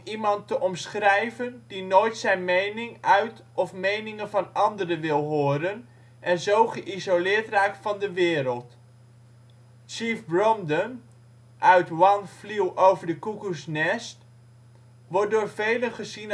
iemand te omschrijven die nooit zijn mening uit of meningen van anderen wil horen, en zo geïsoleerd raakt van de wereld. Chief Bromden, uit One Flew Over the Cuckoo 's Nest, wordt door velen gezien